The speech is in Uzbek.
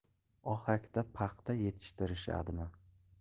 ohakda paxta yetishtirishadimi